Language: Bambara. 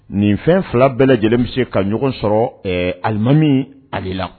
Nin fɛn 2 bɛɛ lajɛlen bɛ se ka ɲɔgɔn sɔrɔ ɛɛ alimami ale la.